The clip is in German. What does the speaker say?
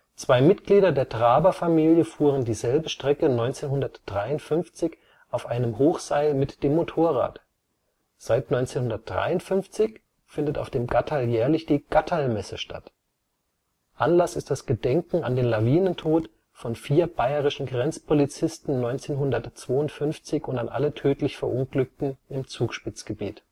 Zwei Mitglieder der Traber-Familie fuhren dieselbe Strecke 1953 auf einem Hochseil mit dem Motorrad. Seit 1953 findet auf dem Gatterl jährlich die Gatterlmesse statt. Anlass ist das Gedenken an den Lawinentod von vier bayerischen Grenzpolizisten 1952 und an alle tödlich Verunglückten im Zugspitzgebiet